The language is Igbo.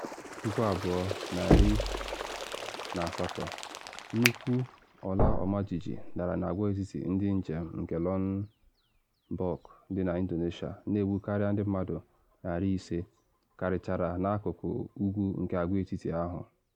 2018: Nnukwu ọla ọmajiji dara n’agwaetiti ndị njem nke Lombok dị na Indonesia, na egbu karịa ndị mmadụ 500, karịchara n’akụkụ ugwu nke agwaetiti ahụ.